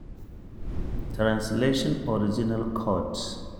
Translation Original Quote